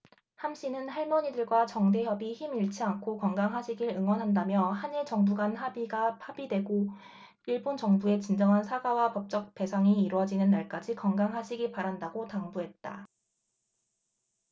함씨는 할머니들과 정대협이 힘 잃지 않고 건강하시길 응원한다며 한일 정부 간 합의가 파기되고 일본 정부의 진정한 사과와 법적 배상이 이뤄지는 날까지 건강하시기 바란다고 당부했다